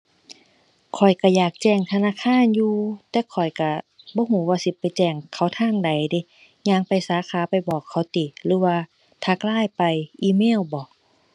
ข้อยก็อยากแจ้งธนาคารอยู่แต่ข้อยก็บ่ก็ว่าสิไปแจ้งเขาทางใดเดะ ย่างไปสาขาไปบอกเขาติ หรือว่าทัก LINE ไป อีเมลบ่